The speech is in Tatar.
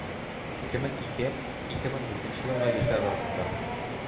Ике мең ике, ике мең дүртенче елгы яшьләр арасында